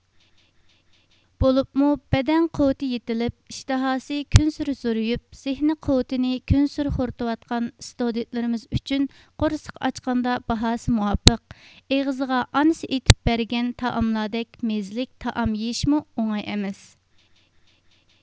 بولۇپمۇ بەدەن قۇۋۋىتى يېتىلىپ ئىشتىھاسى كۈنسېرى زورىيىپ زېھنىي قۇۋۋىتىنى كۈنسېرى خورىتىۋاتقان ستۇدېنتلىرىمىز ئۈچۈن قورسىقى ئاچقاندا باھاسى مۇۋاپىق ئېغىزىغا ئانىسى ئېتىپ بەرگەن تائاملاردەك مېززىلىك تائام يېيىشمۇ ئوڭاي ئەمەس